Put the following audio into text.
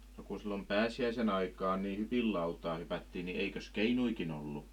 no kun silloin pääsiäisen aikaan niin hypinlautaa hypättiin niin eikös keinujakin ollut